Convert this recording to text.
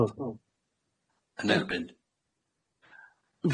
Yn erbyn.